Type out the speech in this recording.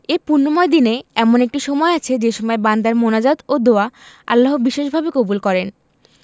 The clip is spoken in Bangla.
এ পুণ্যময় দিনে এমন একটি সময় আছে যে সময় বান্দার মোনাজাত ও দোয়া আল্লাহ বিশেষভাবে কবুল করেন